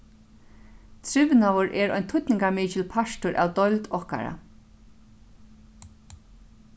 trivnaður er ein týdningarmikil partur av deild okkara